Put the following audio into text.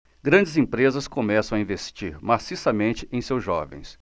grandes empresas começam a investir maciçamente em seus jovens